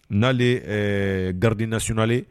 Nale ye ɛɛ garde nationale ye